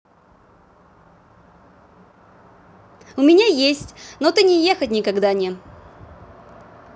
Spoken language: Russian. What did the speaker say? у меня есть но ты не ехать никогда не